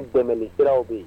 Dɛmɛni siraw bɛ yen